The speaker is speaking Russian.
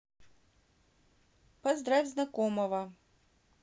поздравить знакомого